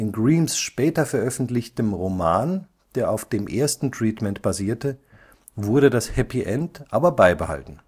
Greenes später veröffentlichtem Roman, der auf dem ersten Treatment basierte, wurde das Happy End aber beibehalten